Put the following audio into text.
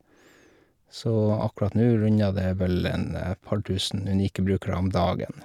Så akkurat nu rundet det vel en par tusen unike brukere om dagen.